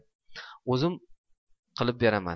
o'zim qilib beraman